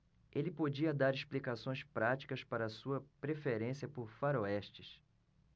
ele podia dar explicações práticas para sua preferência por faroestes